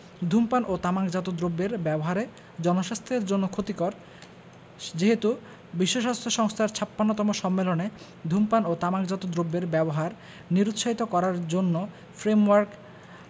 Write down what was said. ধূমপান ও তামাকজাত দ্রব্যের ব্যবহার জনস্বাস্থ্যের জন্য ক্ষতিকর যেহেতু বিশ্বস্বাস্থ্য সংস্থার ৫৬তম সম্মেলনে ধূমপান ও তামাকজাত দ্রব্যের ব্যবহার নিরুৎসাহিত করার জন্য ফ্রেমওয়ার্ক